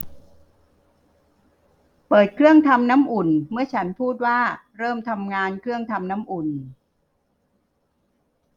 เปิดเครื่องทำน้ำอุ่นเมื่อฉันพูดว่าเริ่มทำงานเครื่องทำน้ำอุ่น